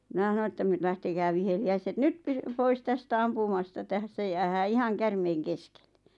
minä sanoin että - lähtekää viheliäiset nyt - pois tästä ampumasta tässä jäädään ihan käärmeiden keskelle